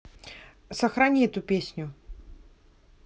сохрани эту песню